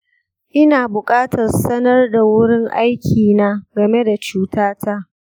ina bukatar sanar da wurin aikina game da cutata?